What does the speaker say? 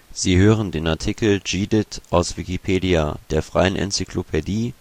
Sie hören den Artikel Gedit, aus Wikipedia, der freien Enzyklopädie